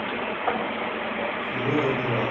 серега пират